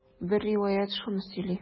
Бер риваять шуны сөйли.